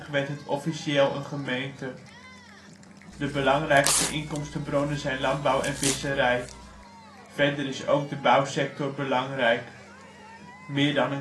werd het officieel een gemeente. De belangrijkste inkomstenbronnen zijn landbouw en visserij. Verder is ook de bouwsector belangrijk. Meer dan